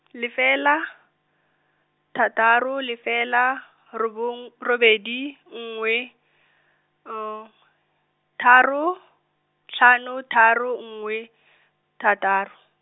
lefela, thataro lefela, robong robedi nngwe, tharo, tlhano tharo nngwe , thataro.